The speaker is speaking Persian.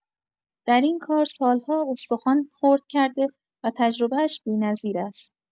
در این کار سال‌ها استخوان خرد کرده و تجربه‌اش بی‌نظیر است.